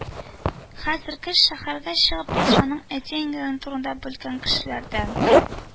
Хәзер кыз, шәһәргә чыгып, патшаның әти-әниләре турында белгән кешеләрдән